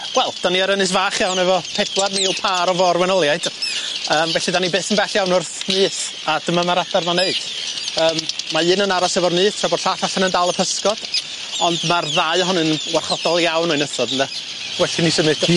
Wel, 'da ni ar ynys fach iawn efo pedwar mil pâr o'r wenoliaid yym felly 'da ni byth yn bell iawn o'r nyth a dyna ma'r adar 'ma'n neud yym ma' un yn aros efo'r nyth tra bod llall allan yn dal y pysgod ond ma'r ddau ohonyn n'w'n warchodol iawn o'u nythod ynde? Well i ni symud.